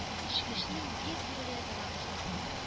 Очкычның йөк бүлегенә таба күрсәтте